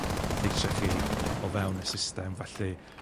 lleisa' chi o fewn y system felly